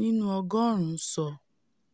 nínú ọgọ́ọ̀rún ńsọ.